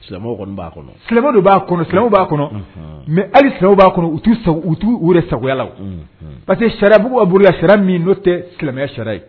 Silamɛw b'a kɔnɔ silamɛw b'a silamɛw b'a kɔnɔ mɛ hali silamɛ b'a kɔnɔ u uu u sagoya la pa que sirabugubauru la sira min n'o tɛ silamɛ sira ye